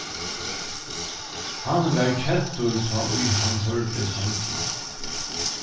hann varð keddur tá ið hann hoyrdi sangin